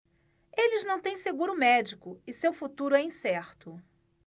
eles não têm seguro médico e seu futuro é incerto